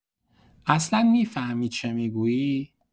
اصلا می‌فهمی چه می‌گویی؟!